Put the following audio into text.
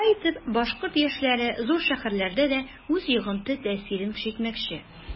Шулай итеп башкорт яшьләре зур шәһәрләрдә дә үз йогынты-тәэсирен көчәйтмәкче.